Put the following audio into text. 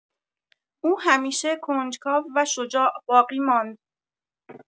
او همیشه کنجکاو و شجاع باقی ماند.